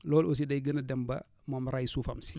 loolu aussi day gën a dem ba moom rey suufam si